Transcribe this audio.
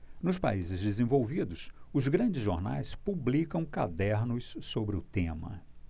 nos países desenvolvidos os grandes jornais publicam cadernos sobre o tema